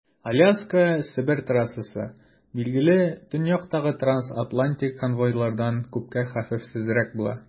Аляска - Себер трассасы, билгеле, төньяктагы трансатлантик конвойлардан күпкә хәвефсезрәк була.